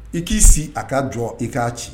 I k'i si, a ka jɔ, i k'a ci.